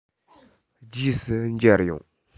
རྗེས སུ མཇལ ཡོང